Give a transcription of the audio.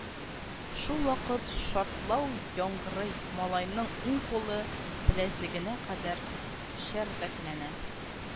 Шулвакыт шартлау яңгырый, малайның уң кулы беләзегенә кадәр чәрдәкләнә